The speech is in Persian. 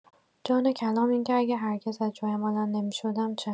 جان کلام اینکه اگر هرگز از جایم بلند نمی‌شدم چه؟